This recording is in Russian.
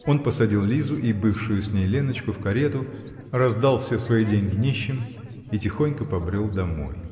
Он посадил Лизу и бывшую с ней Леночку в карету, роздал все свои деньги нищим и тихонько побрел домой.